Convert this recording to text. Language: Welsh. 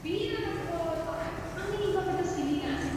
fi ddim yn qualified. Pam 'yn ni'n gorfod dysgu'n hunan?